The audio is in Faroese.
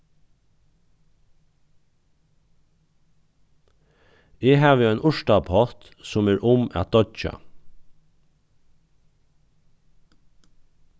eg havi ein urtapott sum er um at doyggja